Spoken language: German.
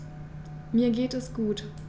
Mir geht es gut.